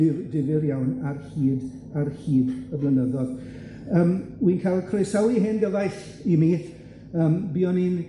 dif- difyr iawn ar hyd ar hyd y blynyddo'dd. Yym wi'n ca'l croesawu hen gyfaill i mi, yym buon ni'n